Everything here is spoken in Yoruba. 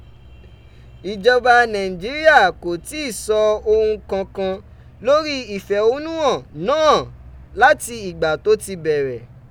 Ìjọba Naijiria ko tii ṣo ohun kankan lori ifẹhonuhan naa lati igba to ti bẹrẹ.